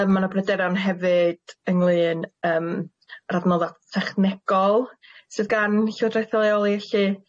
Yym ma' na pryderon hefyd ynglŷn yym yr adnodda technegol sydd gan llywodraeth leol i ellu